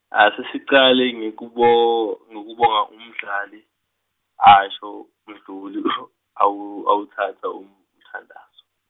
ase sicale ngekubo- ngekubonga umdlali, asho Mdluli owu-, awu awutsatsa umthandazo.